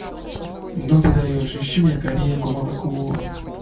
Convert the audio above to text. ну ты даешь ищи мне корейку молоко